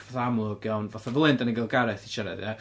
Fatha amlwg iawn fatha fel hyn dan ni'n cael Gareth i siarad ia.